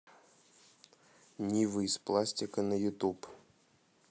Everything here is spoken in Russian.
нива из пластика на ютуб